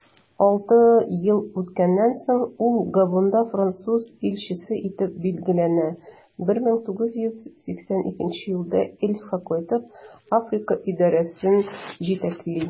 Алты ел үткәннән соң, ул Габонда француз илчесе итеп билгеләнә, 1982 елда Elf'ка кайтып, Африка идарәсен җитәкли.